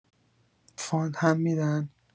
فاند هم می‌دن؟